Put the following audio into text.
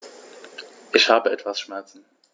Ich habe etwas Schmerzen.